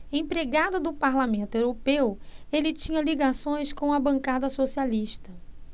empregado do parlamento europeu ele tinha ligações com a bancada socialista